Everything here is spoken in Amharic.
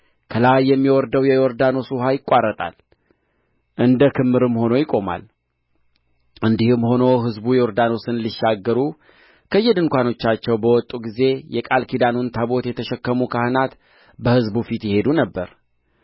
ከላይ የሚወርደው የዮርዳኖስ ውኃ ይቋረጣል እንደ ክምርም ሆኖ ይቆማል እንዲህም ሆነ ሕዝቡ ዮርዳኖስን ሊሻገሩ ከየድንኳናቸው በወጡ ጊዜ የቃል ኪዳኑን ታቦት የተሸከሙ ካህናት በሕዝቡ ፊት ይሄዱ ነበር